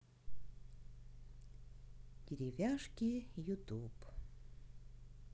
деревяшки ютуб